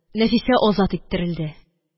Нәфисә азат иттерелде